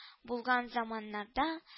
Булган заманнарда